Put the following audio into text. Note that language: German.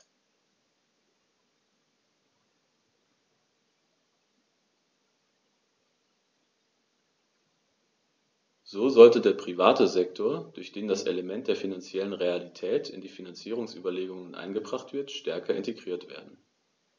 So sollte der private Sektor, durch den das Element der finanziellen Realität in die Finanzierungsüberlegungen eingebracht wird, stärker integriert werden.